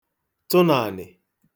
tụ n'ànà